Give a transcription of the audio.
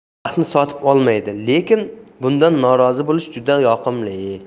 pul baxtni sotib olmaydi lekin bundan norozi bo'lish juda yoqimli